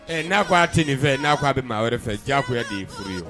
Ɛ n'a ko' a tɛ nin fɛ n'a ko a bɛ maa wɛrɛ fɛ diyagoya de ye furu ye.